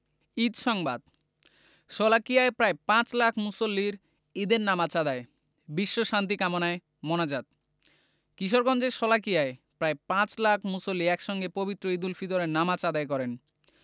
ঈদ সংবাদ শোলাকিয়ায় প্রায় পাঁচ লাখ মুসল্লির ঈদের নামাজ আদায় বিশ্বশান্তি কামনায় মোনাজাত কিশোরগঞ্জের শোলাকিয়ায় প্রায় পাঁচ লাখ মুসল্লি একসঙ্গে পবিত্র ঈদুল ফিতরের নামাজ আদায় করেন